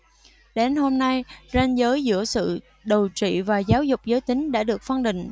đến hôm nay ranh giới giữa sự đồi trụy và giáo dục giới tính đã được phân định